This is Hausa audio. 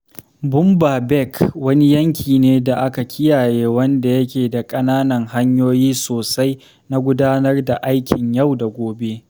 Boumba Bek wani yanki ne da aka kiyaye wanda yake da ƙananan hanyoyi sosai na gudanar da aikin yau da gobe.